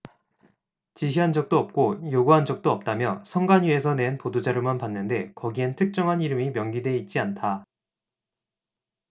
지시한 적도 없고 요구한 적도 없다며 선관위에서 낸 보도자료만 봤는데 거기엔 특정하게 이름이 명기돼 있지 않다